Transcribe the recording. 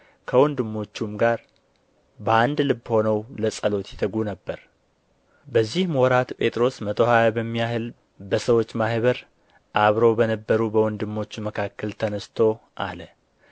ከወንድሞቹም ጋር በአንድ ልብ ሆነው ለጸሎት ይተጉ ነበር በዚህም ወራት ጴጥሮስ መቶ ሀያ በሚያህል በሰዎች ማኅበር አብረው በነበሩ በወንድሞቹ መካከል ተነሥቶ አለ